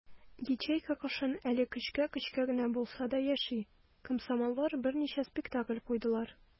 Ячейка кышын әле көчкә-көчкә генә булса да яши - комсомоллар берничә спектакль куйдылар.